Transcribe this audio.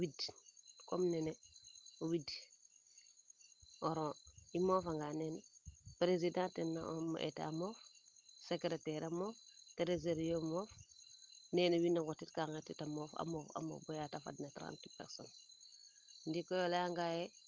wid comme nene o wid o rond i moofa nga neene president tena eeta moof secraitaire a moof tresorier moof nene wiin we ngotit ka te moof a moof a mbada 30 personne ndiiki koy o leya nga